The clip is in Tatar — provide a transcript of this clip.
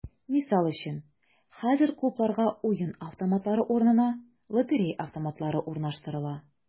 Мисал өчен, хәзер клубларга уен автоматлары урынына “лотерея автоматлары” урнаштырыла.